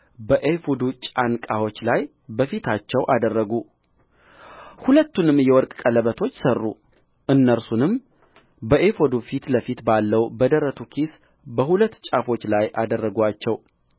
በኤፉዱ ጫንቃዎች ላይ በፊታቸው አደረጉ ሁለቱንም የወርቅ ቀለበቶች ሠሩ እነርሱንም በኤፉዱ ፊት ለፊት ባለው በደረቱ ኪስ በሁለት ጫፎቹ ላይ አደረጉአቸው